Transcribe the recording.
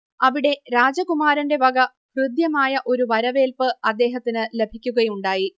അവിടെ രാജകുമാരന്റെ വക ഹൃദ്യമായ ഒരു വരവേൽപ്പ് അദ്ദേഹത്തിന് ലഭിക്കുകയുണ്ടായി